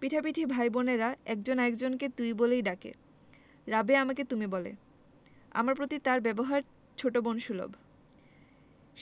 পিঠাপিঠি ভাইবোনের একজন আরেক জনকে তুই বলেই ডাকে রাবেয়া আমাকে তুমি বলে আমার প্রতি তার ব্যবহার ছোট বোন সুলভ